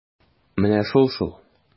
Менә шул-шул!